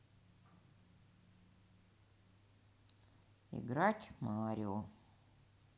играть марио